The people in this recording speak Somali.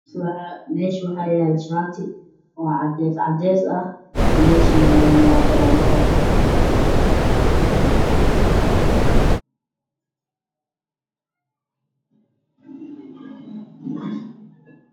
Meeshaan waxaa yaalo shaati cadeys ah meesha uu yaalana waa baroon.